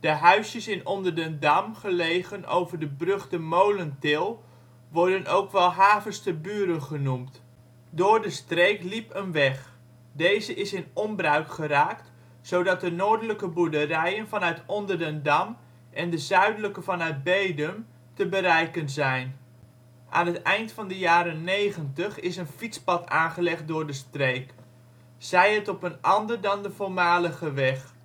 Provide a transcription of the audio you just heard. huisjes in Onderdendam gelegen over de brug de Molentil wordt ook wel Haversterburen genoemd. Door de streek liep een weg. Deze is in onbruik geraakt, zodat de noordelijke boerderijen vanuit Onderdendam en de zuidelijke vanuit Bedum te bereiken zijn. Aan het eind van de jaren 90 is een fietspad aangeleg door de streek, zij het op een ander dan de voormalige weg